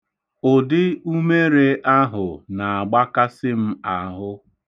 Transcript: Ụdị umere ahụ na-agbakasị m ahụ.